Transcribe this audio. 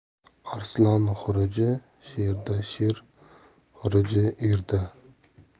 arslon xuruji sherda sher xuruji erda